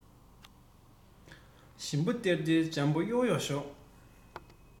ཞིམ པོ སྟེར སྟེར འཇམ པོ གཡོག གཡོག ཞོག